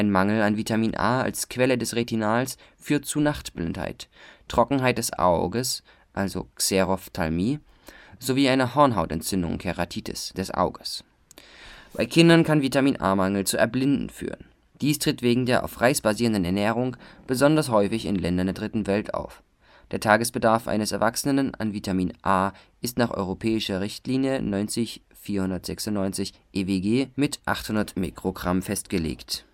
Mangel an Vitamin A als Quelle des Retinals führt zu Nachtblindheit, Trockenheit des Auges (Xerophthalmie) sowie einer Hornhautentzündung (Keratitis) des Auges. Bei Kindern kann Vitamin-A-Mangel zur Erblindung führen. Dies tritt wegen der auf Reis basierenden Ernährung besonders häufig in Ländern der Dritten Welt auf. Der Tagesbedarf eines Erwachsenen an Vitamin A ist nach Europäischer Richtlinie 90/496/EWG (EU-Nährwertkennzeichnungsrichtlinie) mit 800 µg festgelegt